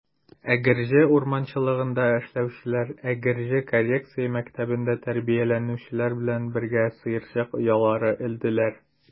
Әгерҗе урманчылыгында эшләүчеләр Әгерҗе коррекция мәктәбендә тәрбияләнүчеләр белән бергә сыерчык оялары элделәр.